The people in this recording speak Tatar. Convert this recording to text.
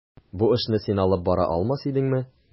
Бу эшне син алып бара алмас идеңме?